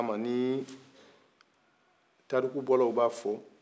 o kaman n'i tariku fɔlaw b'a fɔ